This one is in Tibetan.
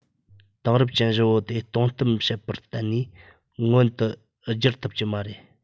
དེང རབས ཅན བཞི པོ དེ སྟོང གཏམ བཤད པར བརྟེན ནས མངོན དུ བསྒྱུར ཐུབ ཀྱི མ རེད